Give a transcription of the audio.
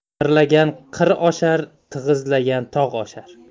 qimirlagan qir oshar tig'izlagan tog' oshar